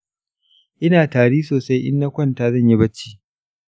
ina tari tari sosai inna kwanta zanyi bacci.